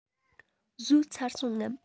ཟོས ཚར སོང ངམ